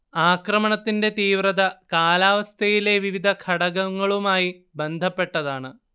ആക്രമണത്തിന്റെ തീവ്രത കാലാവസ്ഥയിലെ വിവിധ ഘടകങ്ങളുമായി ബന്ധപ്പെട്ടതാണ്